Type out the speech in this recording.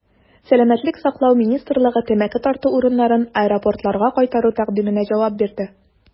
Сәламәтлек саклау министрлыгы тәмәке тарту урыннарын аэропортларга кайтару тәкъдименә җавап бирде.